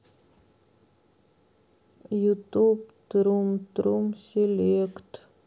ютуб трум трум селект